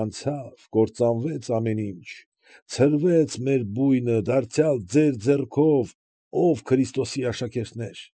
Անցա՜վ, կործանվեց ամեն ինչ, ցրվեց մեր բույնը, դարձյալ ձեր ձեռքով, ով Քրիստոսի աշակերտներ։